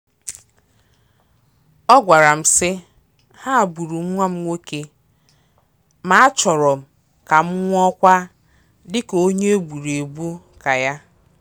Ọ gwara m sị: "Ha gburu nwa m nwoke, ma achọrọ m ka m nwụọ kwa, dịka onye egburu egbu, ka ya.